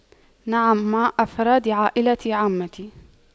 نعم مع أفراد عائلة عمتي